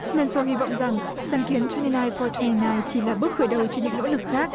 liên xô hy vọng rằng sáng kiến thoen thi nai pho thoen thi nai chỉ là bước khởi đầu cho những nỗ lực khác